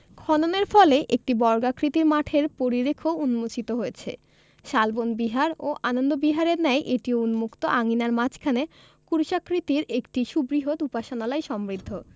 খননের ফলে একটি বর্গাকৃতি মঠের পরিরেখ উন্মোচিত হয়েছে শালবন বিহার ও আনন্দ বিহারের ন্যায় এটিও উন্মুক্ত আঙিনার মাঝখানে ক্রুশাকৃতির একটি সুবৃহৎ উপাসনালয় সমৃদ্ধ